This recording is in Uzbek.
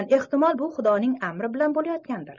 ehtimol bu xudoning amri bilan bo'layotgandir